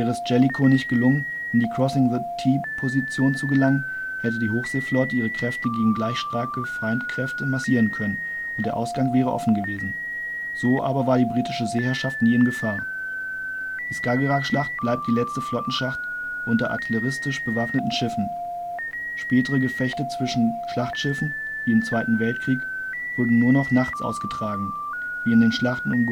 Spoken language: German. es Jellicoe nicht gelungen, in die " Crossing the T "- Position zu gelangen, hätte die Hochseeflotte ihre Kräfte gegen gleichstarke Feindkräfte massieren können und der Ausgang wäre offen gewesen. So aber war die britische Seeherrschaft nie in Gefahr. Die Skagerrakschlacht bleibt die letzte Flottenschlacht unter artilleristisch bewaffneten Schiffen. Spätere Gefechte zwischen Schlachtschiffen, wie im zweiten Weltkrieg, wurden nur noch nachts ausgetragen, wie in den Schlachten